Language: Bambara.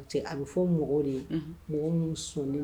A bɛ fɔ mɔgɔw de ye, unhun, mɔgɔ minnu sɔnnen